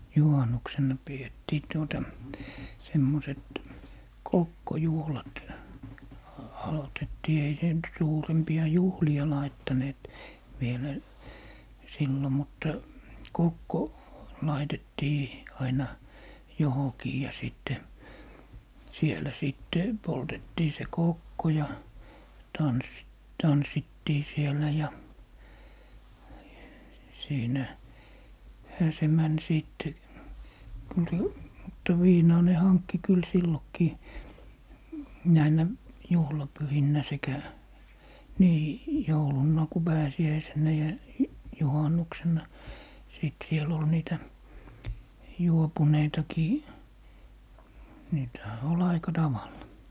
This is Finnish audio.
juhannuksena pidettiin tuota semmoiset kokkojuhlat - aloitettiin ei se nyt suurempia juhlia laittaneet vielä silloin mutta kokko laitettiin aina johonkin ja sitten siellä sitten poltettiin se kokko ja - tanssittiin siellä ja - siinähän se meni sitten kyllä se mutta viinaa ne hankki kyllä silloinkin näinä juhlapyhinä sekä niin jouluna kun pääsiäisenä ja juhannuksena sitten siellä oli niitä juopuneitakin niitähän oli aika tavalla